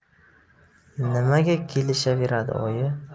nimaga kelishaveradi oyi